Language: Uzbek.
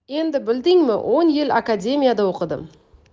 endi bildingmi o'n yil akademiyada o'qidim